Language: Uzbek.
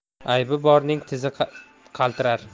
aybi borning tizi qaltirar